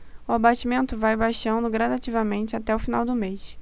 o abatimento vai baixando gradativamente até o final do mês